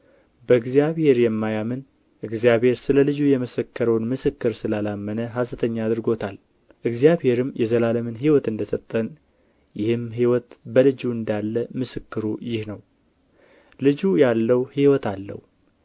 በእግዚአብሔር የማያምን እግዚአብሔር ስለ ልጁ የመሰከረውን ምስክር ስላላመነ ሐሰተኛ አድርጎታል እግዚአብሔርም የዘላለምን ሕይወት እንደ ሰጠን ይህም ሕይወት በልጁ እንዳለ ምስክሩ ይህ ነው ልጁ ያለው ሕይወት አለው